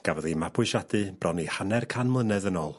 gafodd ei mabwysiadu bron i hanner can mlynedd yn ôl.